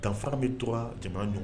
Tanfa bɛ dɔgɔ jamana ɲɔgɔn